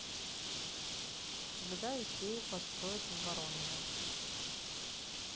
когда икею построят в воронеже